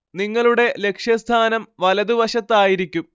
നിങ്ങളുടെ ലക്ഷ്യസ്ഥാനം വലതുവശത്തായിരിക്കും